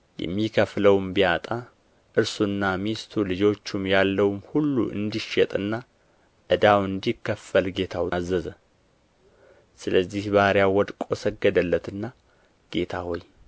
የሚከፍለውም ቢያጣ እርሱና ሚስቱ ልጆቹም ያለውም ሁሉ እንዲሸጥና ዕዳው እንዲከፈል ጌታው አዘዘ ስለዚህ ባሪያው ወድቆ ሰገደለትና ጌታ ሆይ